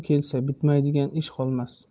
kelsa bitmaydigan ish qolmas